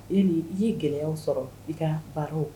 I ye gɛlɛya sɔrɔ i ka barow